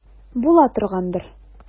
Була торгандыр.